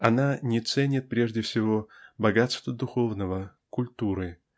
Она не ценит прежде всего богатства духовного культуры